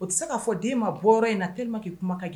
O tɛ se k'a fɔ den ma bɔ in na te ma k' kuma ka gɛn